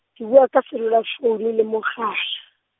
ke bua ka cellular phone le mogala.